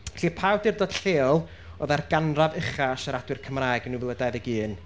felly pa awdurdod lleol oedd â'r ganran ucha siaradwyr Cymraeg yn nwy fil a dau ddeg un?